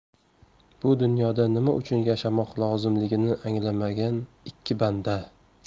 bu dunyoda nima uchun yashamoq lozimligini anglamagan ikki banda